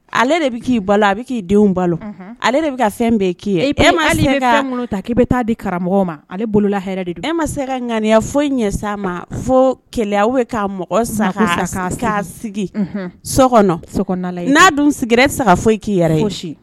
Ale de bɛ k'i balo a bɛ k' denw balo ale de bɛ ka fɛn bɛɛ k'i ye ma ta k'i bɛ taa di karamɔgɔ ma ale bolola de e ma se ka ŋaniya foyi ɲɛ sa ma fo kɛlɛ k' mɔgɔ sigi so kɔnɔ n'a dun sigira e bɛ sa ka foyi k'i yɛrɛ ko